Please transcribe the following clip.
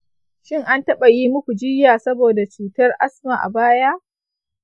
shin an taɓa yi muku jiyya saboda cutar asma a baya?